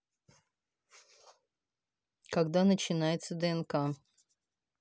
когда начинается днк